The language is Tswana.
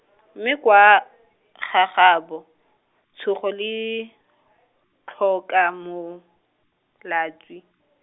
mme kwa, gagabo tsogo le, tlhoka molatswi.